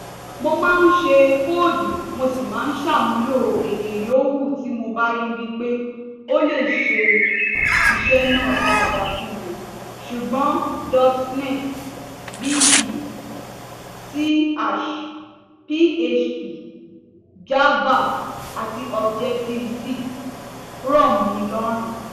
Mo má ń ṣe kọ kóòdù mo sì máa ń sàmúlò èdè yòówù tí mo bá rí wípé ó le se iṣẹ́ náà dáadáa fún mi, ṣùgbọ́n .NET(VB, C#), PHP, Java àti Objective C rọ̀ mí lọ́run.